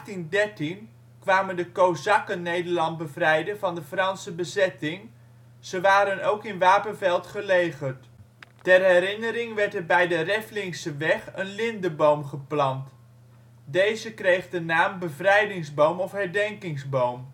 In 1813 kwamen de Kozakken Nederland bevrijden van de Franse bezetting, ze waren ook in Wapenveld gelegerd. Ter herinnering werd er bij de Revlingseweg een lindeboom geplant. Deze kreeg de naam bevrijdingsboom of herdenkingsboom